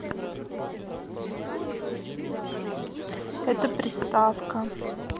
это приставка